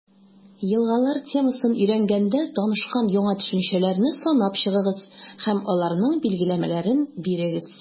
«елгалар» темасын өйрәнгәндә танышкан яңа төшенчәләрне санап чыгыгыз һәм аларның билгеләмәләрен бирегез.